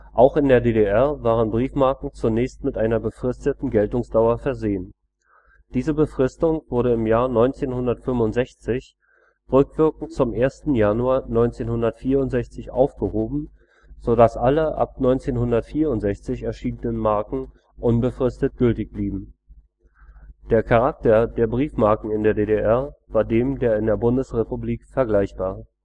Auch in der DDR waren Briefmarken zunächst mit einer befristeten Geltungsdauer versehen. Diese Befristung wurde im Jahr 1965 rückwirkend zum 1. Januar 1964 aufgehoben, so dass alle ab 1964 erschienenen Marken unbefristet gültig blieben. Der Charakter der Briefmarken in der DDR war dem in der Bundesrepublik vergleichbar